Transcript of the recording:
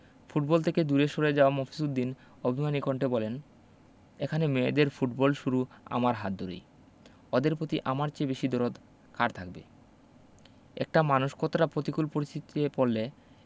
football থেকে দূরে সরে যাওয়া মফিজ উদ্দিন অভিমানী কণ্ঠে বললেন এখানে মেয়েদের ফুটবল শুরু আমার হাত দরেই অদের পতি আমার চেয়ে বেশি দরদ কার থাকবে একটা মানুষ কতটা পতিকূল পরিস্থিতিতে পড়লে